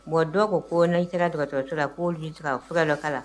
Bon dɔw ko ko' i kɛra tɔgɔcogo cogo la k' dɔ kala la